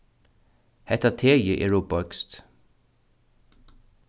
hetta teið ert ov beiskt